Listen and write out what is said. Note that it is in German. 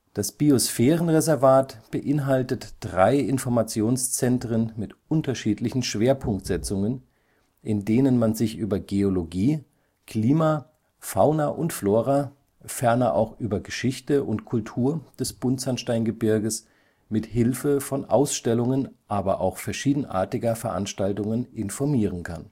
Das Biosphärenreservat beinhaltet drei Informationszentren mit unterschiedlichen Schwerpunktsetzungen, in denen man sich über Geologie, Klima, Fauna und Flora, ferner auch über Geschichte und Kultur des Buntsandsteingebirges mit Hilfe von Ausstellungen aber auch verschiedenartiger Veranstaltungen informieren kann